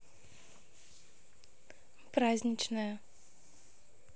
праздничная